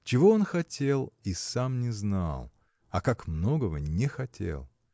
Чего он хотел, и сам не знал; а как многого не хотел!